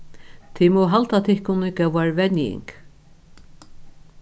tit mugu halda tykkum í góðari venjing